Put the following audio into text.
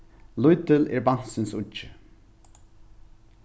lítil er barnsins uggi